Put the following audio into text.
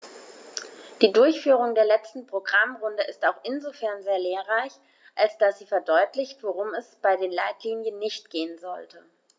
Die Durchführung der letzten Programmrunde ist auch insofern sehr lehrreich, als dass sie verdeutlicht, worum es bei den Leitlinien nicht gehen sollte.